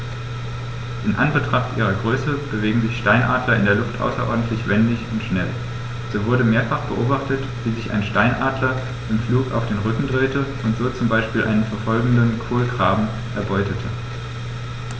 In Anbetracht ihrer Größe bewegen sich Steinadler in der Luft außerordentlich wendig und schnell, so wurde mehrfach beobachtet, wie sich ein Steinadler im Flug auf den Rücken drehte und so zum Beispiel einen verfolgenden Kolkraben erbeutete.